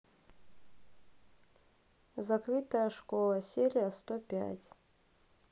закрытая школа серия сто пять